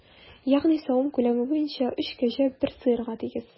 Ягъни савым күләме буенча өч кәҗә бер сыерга тигез.